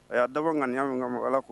A y'a dabɔ ŋaniya min ka ala ko